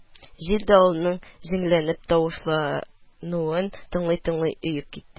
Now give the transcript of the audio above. Җил-давылның җенләнеп тавышлануын тыңлый-тыңлый оеп китте